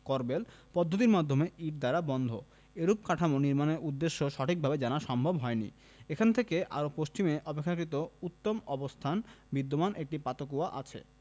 corbel পদ্ধতির মাধ্যমে ইট দ্বারা বন্ধ এরূপ কাঠামো নির্মাণের উদ্দেশ্য সঠিকভাবে জানা সম্ভব হয় নি এখান থেকে আরও পশ্চিমে অপেক্ষাকৃত উত্তম অবস্থায় বিদ্যমান একটি পাতকুয়া আছে